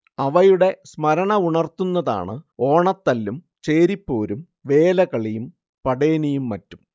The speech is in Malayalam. അവയുടെ സ്മരണ ഉണർത്തുന്നതാണ് ഓണത്തല്ലും ചേരിപ്പോരും വേലകളിയും പടേനിയും മറ്റും